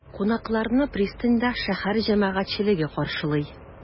Кунакларны пристаньда шәһәр җәмәгатьчелеге каршылый.